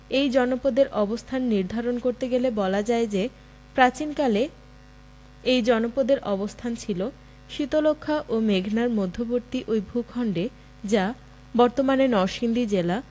এই জনপদের অবস্থান নির্ধারণ করতে গেলে বলা যায় যে প্রাচীনকালে এই জনপদের অবস্থান ছিল শীতলক্ষ্যা ও মেঘনার মধ্যবর্তী ওই ভূখন্ডে যা বর্তমানে নরসিংদী জেলা